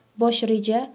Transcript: bosh reja